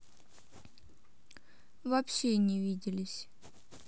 вообще не виделись